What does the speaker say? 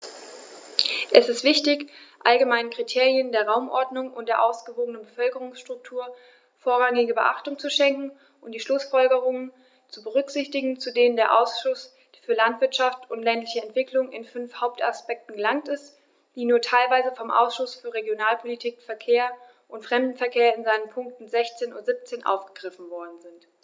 Es ist wichtig, allgemeinen Kriterien der Raumordnung und der ausgewogenen Bevölkerungsstruktur vorrangige Beachtung zu schenken und die Schlußfolgerungen zu berücksichtigen, zu denen der Ausschuss für Landwirtschaft und ländliche Entwicklung in fünf Hauptaspekten gelangt ist, die nur teilweise vom Ausschuss für Regionalpolitik, Verkehr und Fremdenverkehr in seinen Punkten 16 und 17 aufgegriffen worden sind.